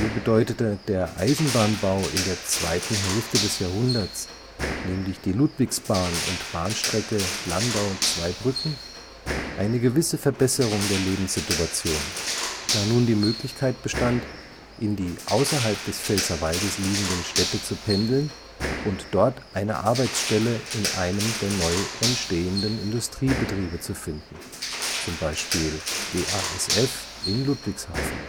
bedeutete der Eisenbahnbau in der zweiten Hälfte des 19. Jahrhunderts (Ludwigsbahn und Bahnstrecke Landau – Zweibrücken) eine gewisse Verbesserung der Lebenssituation, da nun die Möglichkeit bestand, in die außerhalb des Pfälzerwaldes liegenden Städte zu pendeln und dort eine Arbeitsstelle in einem der neu entstehenden Industriebetriebe zu finden (z. B. BASF Ludwigshafen